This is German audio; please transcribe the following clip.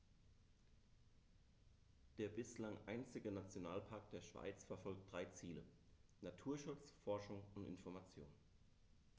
Der bislang einzige Nationalpark der Schweiz verfolgt drei Ziele: Naturschutz, Forschung und Information.